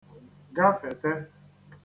gafète